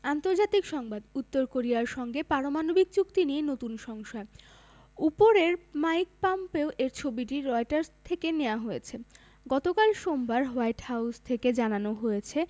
আন্তর্জাতিক সংবাদ উত্তর কোরিয়ার সঙ্গে পারমাণবিক চুক্তি নিয়ে নতুন সংশয় উপরের মাইক পম্পেও এর ছবিটি রয়টার্স থেকে নেয়া হয়েছে গতকাল সোমবার হোয়াইট হাউস থেকে জানানো হয়েছে